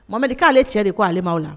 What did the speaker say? Mama ma k'ale cɛ de ko' ale'aw la